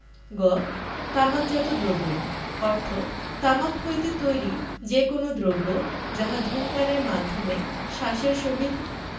গ তামাকজাত দ্রব্য অর্থ তামাক হইতে তৈরী যে কোন দ্রব্য যাহা ধূমপানের মাধ্যমে শ্বাসের সহিত